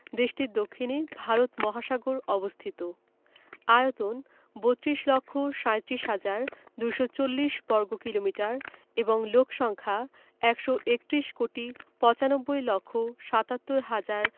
দেশটির দক্ষিণে ভারত মহাসাগর অবস্থিত আয়তন ৩২ লক্ষ ৮৭ হাজার ২৪০ বর্গ কিমি এবং লোক সংখ্যা ১৩১ কোটি ৯৫ লক্ষ ৭৭ হাজার